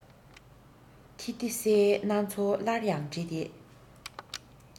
ཐེ རྡི སིའི གནའ མཚོ སླར ཡང བྲི སྟེ